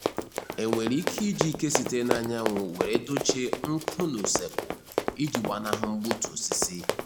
"E nwere ike iji ike sitere n'anywanụ were dochịe nkụ n'ụsekwu iji gbanahụ mgbutu osisi?"